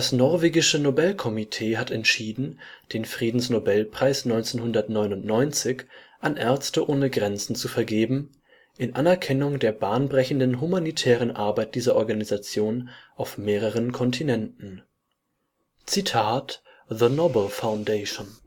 norwegische Nobel-Komitee hat entschieden, den Friedensnobelpreis 1999 an Ärzte ohne Grenzen zu vergeben, in Anerkennung der bahnbrechenden humanitären Arbeit dieser Organisation auf mehreren Kontinenten. “– The Nobel Foundation